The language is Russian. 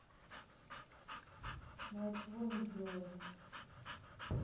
ну а чего не делает